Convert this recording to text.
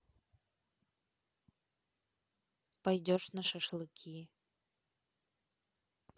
пойдешь на шашлыки